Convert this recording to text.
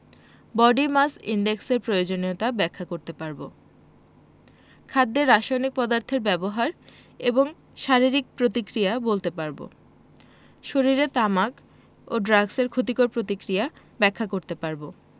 body mass index এর প্রয়োজনীয়তা ব্যাখ্যা করতে পারব খাদ্যে রাসায়নিক পদার্থের ব্যবহার এবং শারীরিক প্রতিক্রিয়া বলতে পারব শরীরে তামাক ও ড্রাগসের ক্ষতিকর প্রতিক্রিয়া ব্যাখ্যা করতে পারব